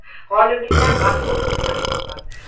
g'oliblikdan masrur turgan lukn